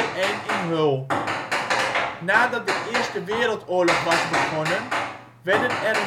2-1 in Hull. Nadat de Eerste Wereldoorlog was begonnen, werden er